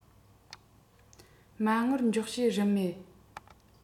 མ དངུལ འཇོག བྱེད རིན མེད